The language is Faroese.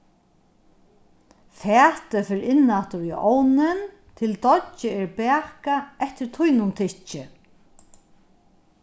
fatið fer inn aftur í ovnin til deiggið er bakað eftir tínum tykki